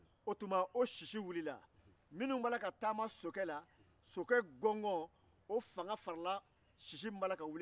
o sisi ni sokɛw gɔngɔn farala ɲɔgɔn kan